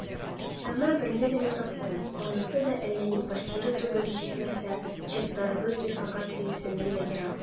Әмма берне генә таптым, анысы да әллә ни квартира түгел, җитмәсә, частьләребез дислокациясеннән дә ерак.